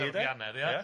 ia...